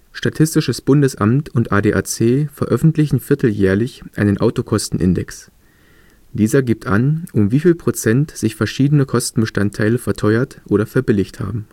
Statistisches Bundesamt und ADAC veröffentlichen vierteljährlich einen Autokosten-Index. Dieser gibt an, um wie viel Prozent sich verschiedene Kostenbestandteile verteuert oder verbilligt haben